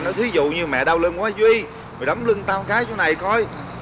nói thí dụ như mẹ đau lưng quá duy mày đấm lưng cho tao cái chỗ này coi